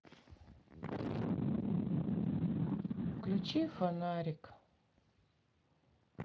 включи фонарик